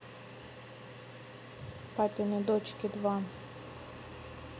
папины дочки два